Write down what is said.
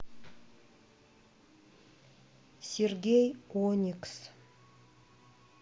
сергей оникс